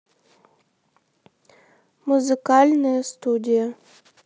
музыкальные студия